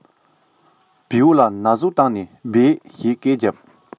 བེའུ ལ ན ཟུག བཏང ནས སྦད ཟེར སྐད རྒྱབ